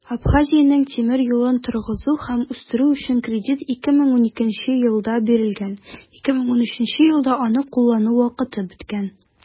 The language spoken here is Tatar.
Абхазиянең тимер юлын торгызу һәм үстерү өчен кредит 2012 елда бирелгән, 2013 елда аны куллану вакыты беткән.